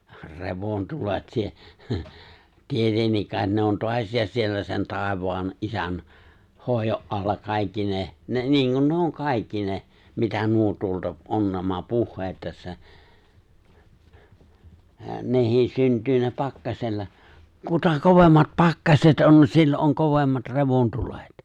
revontulet -- tietenkin kai ne on taasiinsa siellä sen taivaan isän hoidon alla kaikki ne ne niin kuin nuo on kaikki ne mitä nuo tuolta on nämä puheet tässä nekin syntyy ne pakkasella kuta kovemmat pakkaset on silloin on kovemmat revontulet